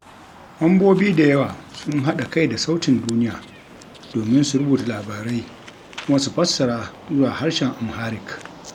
Mambobi da yawa sun haɗa kai da Sautin Duniya domin su rubuta labarai kuma su fassara zuwa harshen Amharic.